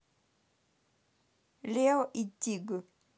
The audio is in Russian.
лео и тиг